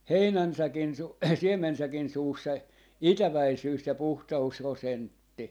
heinänsäkin - siemensäkin suussa se itäväisyys- ja - puhtausprosentti